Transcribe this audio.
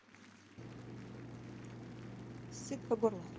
сыт по горло